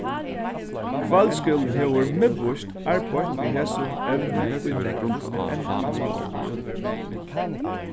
kvøldskúlin hevur miðvíst arbeitt við hesum evni í nógv ár